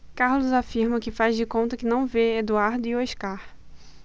carlos afirma que faz de conta que não vê eduardo e oscar